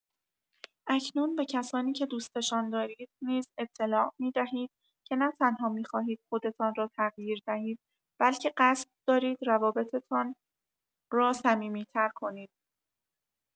اکنون به کسانی که دوستشان دارید نیز اطلاع می‌دهید که نه‌تنها می‌خواهید خودتان را تغییر دهید، بلکه قصد دارید روابطتان را صمیمی‌تر کنید.